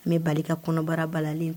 N bɛ bali ka kɔnɔbara balalen